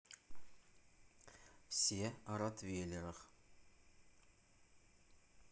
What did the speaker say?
все о ротвейлерах